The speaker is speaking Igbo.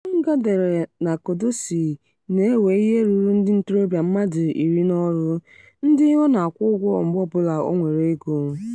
Kwanga dere na Kondesi na-ewe ihe ruru ndị ntorobịa mmadụ iri n'ọrụ, ndị ọ na-akwụ ụgwọ mgbe ọbụla o nwere ego.